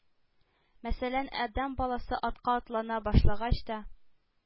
Мәсәлән, адәм баласы атка атлана башлагач та,